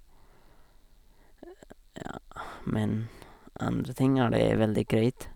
Ja, men andre ting er det veldig greit.